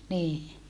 niin